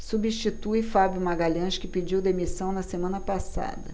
substitui fábio magalhães que pediu demissão na semana passada